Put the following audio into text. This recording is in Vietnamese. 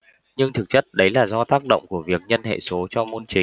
nhưng thực chất đấy là do tác động của việc nhân hệ số cho môn chính